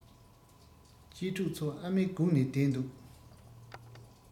གཅེས ཕྲུག ཚོ ཨ མས སྒུག ནས བསྡད འདུག